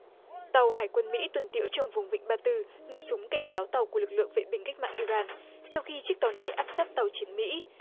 tàu hải quân mỹ tuần tiễu trong vùng vịnh ba tư nổ súng cảnh cáo tàu của lực lượng vệ binh cách mạng i ran sau khi chiếc tàu này áp sát tàu chiến mỹ